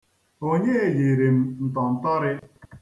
Onye yiri m ntọntọrị?